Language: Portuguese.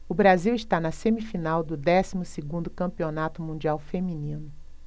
o brasil está na semifinal do décimo segundo campeonato mundial feminino